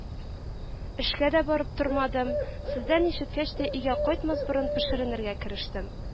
— эшкә дә барып тормадым. сездән ишеткәч тә, өйгә кайтмас борын пешеренергә керештем